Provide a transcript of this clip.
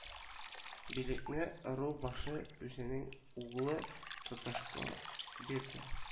Билекне ыру башы үзенең углы тотышка бирде